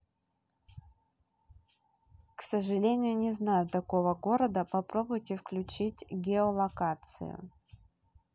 к сожалению не знаю такого города попробуйте включить геолокацию